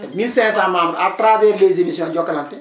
te 1500 membres à travers les émissions Jokalante